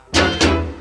T